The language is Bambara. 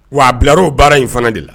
Wa a bilakoroo baara in fana de la